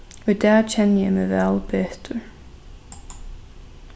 í dag kenni eg meg væl betur